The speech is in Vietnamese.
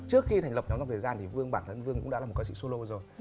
trước khi thành lập nhóm dòng thời gian thì vương bản thân vương cũng đã là một ca sĩ sô lô rồi